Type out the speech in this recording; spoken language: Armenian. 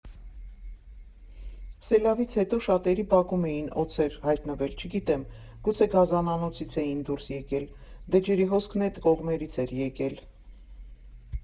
Սելավից հետո շատերի բակում էին օձեր հայտնվել, չգիտեմ, գուցե գազանանոցից էին դուրս եկել, դե ջրի հոսքն էդ կողմերից էր եկել։